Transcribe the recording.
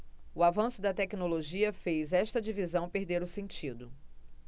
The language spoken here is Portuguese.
o avanço da tecnologia fez esta divisão perder o sentido